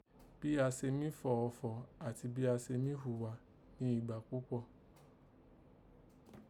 Bí a ṣe mí fọ̀ ọfọ̀ àti bí a se mí hùghà ní ìgbà púpọ̀